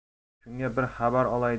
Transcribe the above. shunga bir xabar